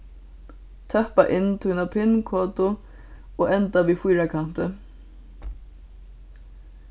tøppa inn tína pin-kodu og enda við fýrakanti